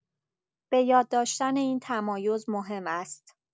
بۀاد داشتن این تمایز مهم است.